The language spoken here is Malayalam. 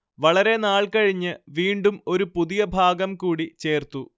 വളരെ നാൾ കഴിഞ്ഞ് വീണ്ടും ഒരു പുതിയ ഭാഗം കൂടി ചേർത്തു